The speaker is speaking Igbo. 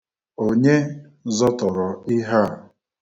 Onye zọtọrọ ihe a?